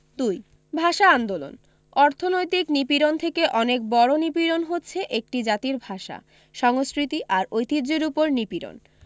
২ ভাষা আন্দোলন অর্থনৈতিক নিপীড়ন থেকে অনেক বড়ো নিপীড়ন হচ্ছে একটি জাতির ভাষা সংস্কৃতি আর ঐতিহ্যের ওপর নিপীড়ন